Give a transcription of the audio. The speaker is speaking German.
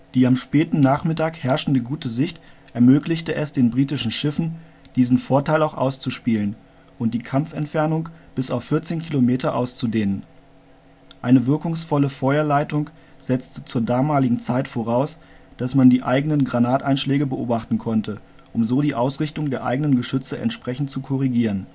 Die am späten Nachmittag herrschende gute Sicht ermöglichte es den britischen Schiffen, diesen Vorteil auch auszuspielen und die Kampfentfernung bis auf 14 Kilometer auszudehnen. Eine wirkungsvolle Feuerleitung setzte zur damaligen Zeit voraus, dass man die eigenen Granateinschläge beobachten konnte, um so die Ausrichtung der eigenen Geschütze entsprechend zu korrigieren